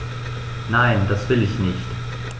Nein, das will ich nicht.